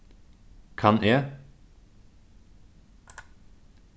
kann eg